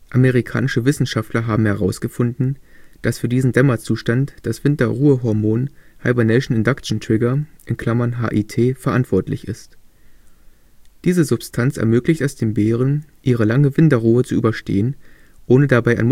Amerikanische Wissenschaftler haben herausgefunden, dass für diesen Dämmerzustand das Winterruhehormon Hibernation Induction Trigger (HIT) verantwortlich ist. Diese Substanz ermöglicht es den Bären, ihre lange Winterruhe zu überstehen, ohne dabei